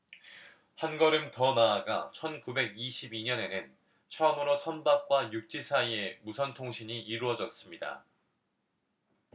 한 걸음 더 나아가 천 구백 이십 이 년에는 처음으로 선박과 육지 사이에 무선 통신이 이루어졌습니다